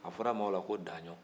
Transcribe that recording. a fɔra a ma o la ko daɲɔn